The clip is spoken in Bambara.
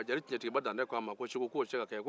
jeli tijɛtigiba dantɛ ko ko tɛ se ka kɛ segu